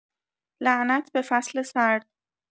لعنت به فصل سرد